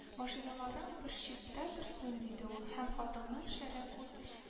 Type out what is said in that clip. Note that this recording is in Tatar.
Машиналарың бер читтә торсын, - диде ул, һәм хатынның шәрә күт